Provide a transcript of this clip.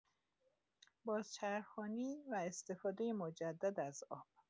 بازچرخانی و استفادۀ مجدد از آب